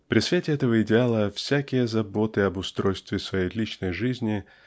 При свете этого идеала всякие заботы обустройстве своей личной жизни